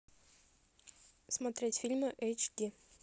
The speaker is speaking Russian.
смотреть фильмы эйч ди